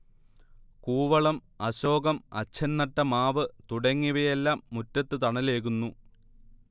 കൂവളം, അശോകം, അച്ഛൻ നട്ട മാവ് തുടങ്ങിയവയെല്ലാം മുറ്റത്ത് തണലേകുന്നു